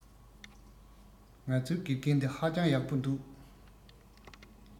ང ཚོའི དགེ རྒན འདི ཧ ཅང ཡག པོ འདུག